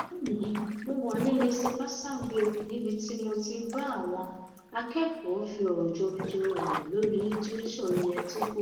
Lónìí mo wà ní lycée Bassar Ville níbi tí mo ti ń bá àwọn akẹ́kọ̀ọ́ fi ọ̀rọ̀ jomitoro lórí litiréṣọ̀ ilẹ̀ Togo.